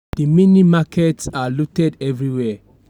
The mini-markets are looted everywhere."